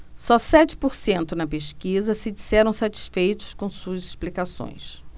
só sete por cento na pesquisa se disseram satisfeitos com suas explicações